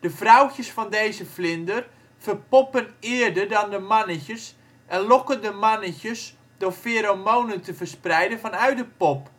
vrouwtjes van deze vlinder verpoppen eerder dan de mannetjes en lokken de mannetjes door feromonen te verspreiden vanuit de pop